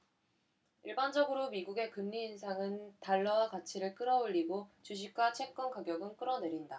일반적으로 미국의 금리 인상은 달러화 가치를 끌어올리고 주식과 채권 가격은 끌어내린다